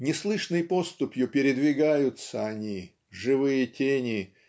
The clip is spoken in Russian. Неслышной поступью передвигаются они живые тени